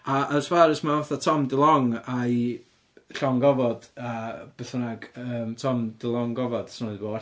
A as far as ma' fatha Tom DeLonge a'i llong ofod a beth bynnag yym Tom DeLonge gofod 'sa hwnna 'di bod yn well.